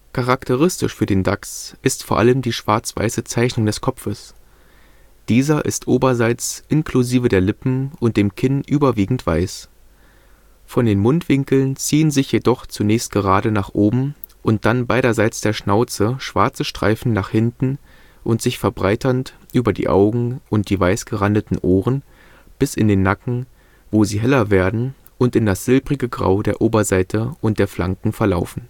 Charakteristisch für den Dachs ist vor allem die schwarz-weiße Zeichnung des Kopfes. Dieser ist oberseits inklusive der Lippen und dem Kinn überwiegend weiß. Von den Mundwinkeln ziehen sich jedoch zunächst gerade nach oben und dann beiderseits der Schnauze schwarze Streifen nach hinten und sich verbreiternd über die Augen und die weiß gerandeten Ohren bis in den Nacken, wo sie heller werden und in das silbrige Grau der Oberseite und der Flanken verlaufen